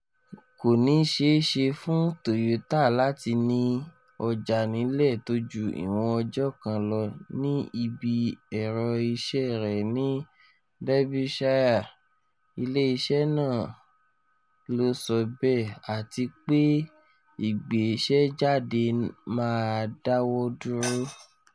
Kò ní ṣeéṣe fún Tòyótà láti ní ọjà nílẹ̀ tó ju ìwọ̀n ọjọ́ kan lọ ní ibi Ẹ̀rọ iṣẹ́ rẹ̀ ní Derbyshire, ilé iṣẹ́ náà ló sọ bẹ́ẹ̀, àtipé ìgbéṣẹ́jáde máa dáwọ́ dúró.